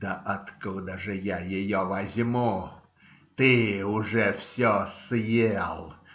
Да откуда же я ее возьму? Ты уже все съел.